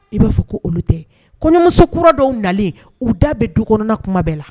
I b'a fɔ ko olu tɛ kɔɲɔmuso kura dɔw nalen u da bɛ dukɔnna kuma bɛɛ la!